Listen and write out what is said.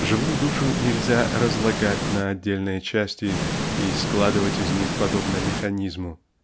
живую душу нельзя разлагать на отдельные части и складывать из них подобно механизму